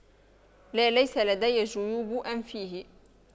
لا ليس لدي جيوب أنفية